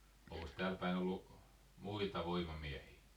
olikos täälläpäin ollut muita voimamiehiä